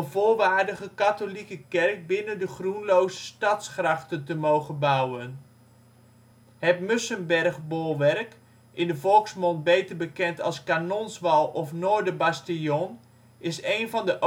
volwaardige katholieke kerk binnen de Groenlose stadsgrachten te mogen bouwen. Het Mussenbergbolwerk, in de volksmond beter bekend als Kanonswal of Noorderbastion, is één van de overblijfselen van de